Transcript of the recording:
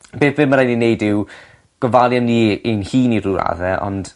Be' be' ma' raid i ni neud yw gofalu am ni ein hun i ryw radde ond